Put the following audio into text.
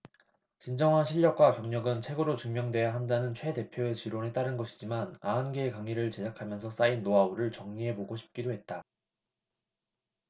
진정한 실력과 경력은 책으로 증명돼야 한다는 최 대표의 지론에 따른 것이지만 아흔 개의 강의를 제작하면서 쌓인 노하우를 정리해보고 싶기도 했다